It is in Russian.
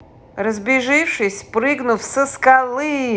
разбежавшись прыгнув со скалы